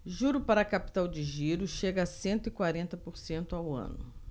juro para capital de giro chega a cento e quarenta por cento ao ano